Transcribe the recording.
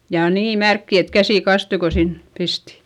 ja niin märkiä että käsi kastui kun sinne pisti